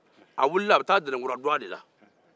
a wulila a bɛ taa dɛnɛnkura dɔgɔ de la